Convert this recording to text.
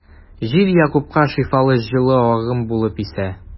Җил Якупка шифалы җылы агым булып исә.